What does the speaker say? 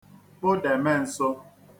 kpụdème nsō